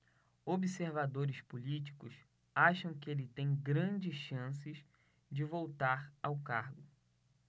observadores políticos acham que ele tem grandes chances de voltar ao cargo